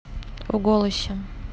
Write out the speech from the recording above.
в голосе